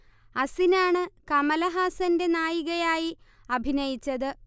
അസിനാണ് കമലഹാസന്റെ നായികയായി അഭിനയിച്ചത്